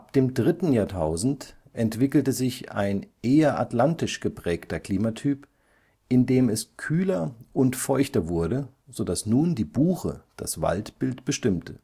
dem dritten Jahrtausend entwickelte sich ein eher atlantisch geprägter Klimatyp, in dem es kühler und feuchter wurde, so dass nun die Buche das Waldbild bestimmte